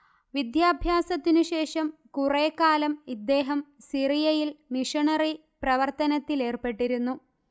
വിദ്യാഭ്യാസത്തിനുശേഷം കുറേക്കാലം ഇദ്ദേഹം സിറിയയിൽ മിഷനറി പ്രവർത്തനത്തിലേർപ്പെട്ടിരുന്നു